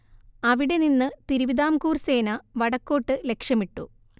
അവിടെ നിന്ന് തിരുവിതാംകൂർ സേന വടക്കോട്ട് ലക്ഷ്യമിട്ടു